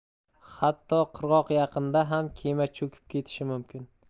hatto qirg'oq yaqinida ham kema cho'kib ketishi mumkin